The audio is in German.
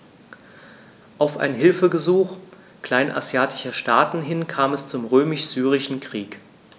Auf ein Hilfegesuch kleinasiatischer Staaten hin kam es zum Römisch-Syrischen Krieg.